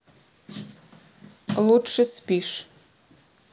лучше спишь